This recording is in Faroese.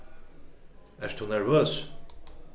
ert tú nervøs